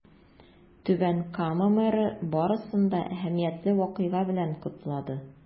Түбән Кама мэры барысын да әһәмиятле вакыйга белән котлады.